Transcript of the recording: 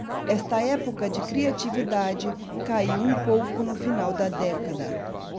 esta época de criatividade caiu um pouco no final da década